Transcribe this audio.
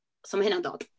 So ma' hynna'n dod.